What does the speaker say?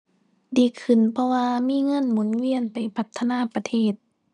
ดีขึ้น เพราะว่ามีเงินหมุนเวียนไปพัฒนาประเทศ